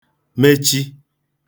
mechi